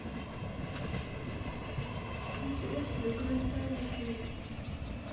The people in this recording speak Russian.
интересный документальный фильм